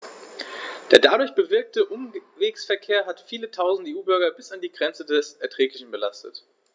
Der dadurch bewirkte Umwegsverkehr hat viele Tausend EU-Bürger bis an die Grenze des Erträglichen belastet.